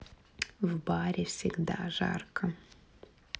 в баре всегда жарко